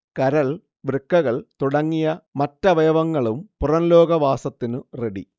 കരൾ, വൃക്കകൾ തുടങ്ങിയ മറ്റവയവങ്ങളും പുറംലോക വാസത്തിനു റെഡി